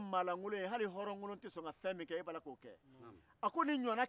dunan bisimila cogo mɔgɔnifinw bɛ mina cogodi